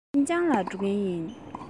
ཤིན ཅང ལ འགྲོ མཁན ཡིན